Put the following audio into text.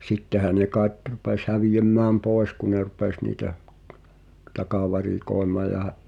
sittenhän ne kai rupesi häviämään pois kun ne rupesi niitä takavarikoimaan ja -